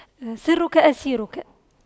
سرك أسيرك